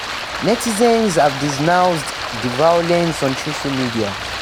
Netizens have denounced the violence on social media: